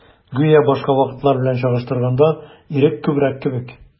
Гүя башка вакытлар белән чагыштырганда, ирек күбрәк кебек.